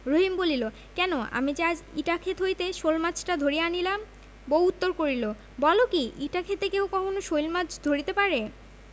রহিম বলিল কেন আমি যে আজ ইটা ক্ষেত হইতে শোলমাছটা ধরিয়া আনিলাম বউ উত্তর করিল বল কি ইটা ক্ষেতে কেহ কখনো শোলমাছ ধরিতে পারে